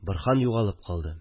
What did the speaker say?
Борһан югалып калды